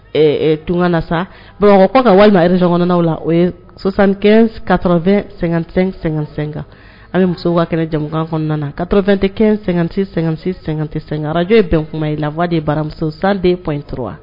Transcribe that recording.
Eee tun na sa bamakɔ ko ka walimareson kɔnɔnɔn la o yesan ka sɛgɛnsɛka an bɛ muso waa kɛnɛ jamanakan kɔnɔna na karɔfɛn tɛ- sɛgɛnti- sɛgɛn tɛ sen araj ye bɛn kuma ye la waaa de ye baramuso sanden kɔn intura wa